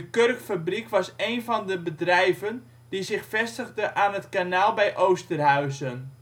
kurkfabriek was één van de bedrijven die zich vestigde aan het kanaal bij Oosterhuizen